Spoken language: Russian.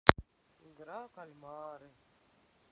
игра кальмары